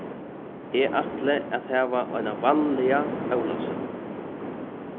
eg ætli at hava eina vanliga ólavsøku